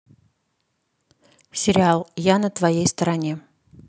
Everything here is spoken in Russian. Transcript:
сериал я на твоей стороне